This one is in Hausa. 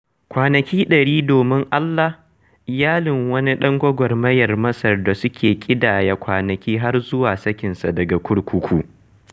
Kwanaki 100 domin Alaa: Iyalin wani ɗan gwagwarmayar Masar da suke ƙidaya kwanaki har zuwa sakinsa daga kurkuku.